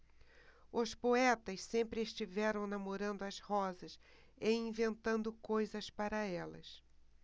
os poetas sempre estiveram namorando as rosas e inventando coisas para elas